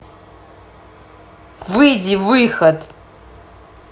выйди выход